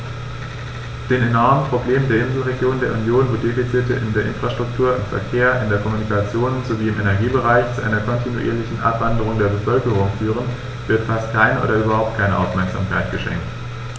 Den enormen Problemen der Inselregionen der Union, wo die Defizite in der Infrastruktur, im Verkehr, in der Kommunikation sowie im Energiebereich zu einer kontinuierlichen Abwanderung der Bevölkerung führen, wird fast keine oder überhaupt keine Aufmerksamkeit geschenkt.